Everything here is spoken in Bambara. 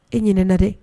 E ɲin na dɛ